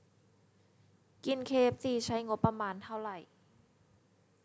กินเคเอฟซีใช้งบประมาณเท่าไหร่